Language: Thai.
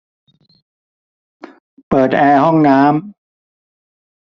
เปิดแอร์ห้องน้ำ